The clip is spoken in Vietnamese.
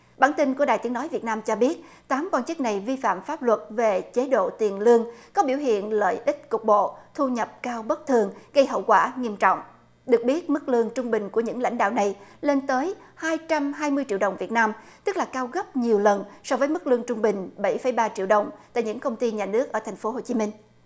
bản tin của đài tiếng nói việt nam cho biết tám quan chức này vi phạm pháp luật về chế độ tiền lương có biểu hiện lợi ích cục bộ thu nhập cao bất thường gây hậu quả nghiêm trọng được biết mức lương trung bình của những lãnh đạo này lên tới hai trăm hai mươi triệu đồng việt nam tức là cao gấp nhiều lần so với mức lương trung bình bảy phẩy ba triệu đồng từ những công ty nhà nước ở thành phố hồ chí minh